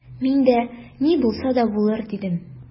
Мин дә: «Ни булса да булыр»,— дидем.